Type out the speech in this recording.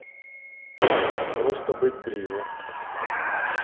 просто быть ближе